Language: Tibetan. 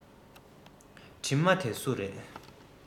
གྲིབ མ དེ སུ རེད